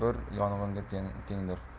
bir yong'inga tengdir